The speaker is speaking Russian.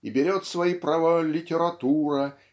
и берет свои права литература